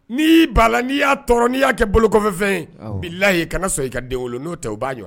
N'i y'i baa la n'i y'a tɔɔrɔ n'i y'a kɛ bolokokɔfɛn layi ka so i ka denw bolo n'o tɛ u' ye wa